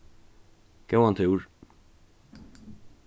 góðan túr